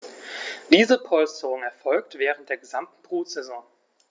Diese Polsterung erfolgt während der gesamten Brutsaison.